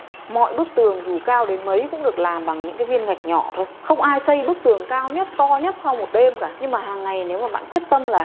mọi bức tường dù cao đến mấy cũng được làm bằng những cái viên gạch nhỏ thôi không ai xây bức tường cao nhất to nhất sau một đêm cả nhưng mà hằng ngày nếu mà bạn quyết tâm là